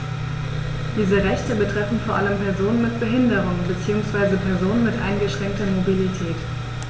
Diese Rechte betreffen vor allem Personen mit Behinderung beziehungsweise Personen mit eingeschränkter Mobilität.